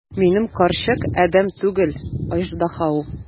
Минем карчык адәм түгел, аждаһа ул!